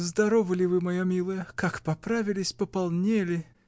Здоровы ли вы, моя милая, как поправились, пополнели.